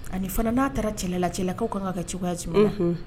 Ani fana n'a taara cɛlala, cɛlakaw ka kan ka cogoya jumɛn? Unhun.